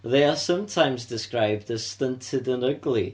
They are sometimes described as stunted and ugly.